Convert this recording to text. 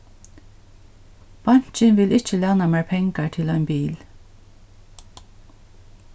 bankin vil ikki læna mær pengar til ein bil